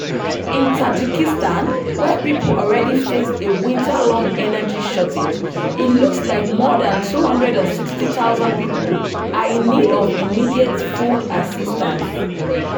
In Tajikistan, where people already faced a winter-long energy shortage, it looks like more than 260,000 people are in need of immediate food assistance.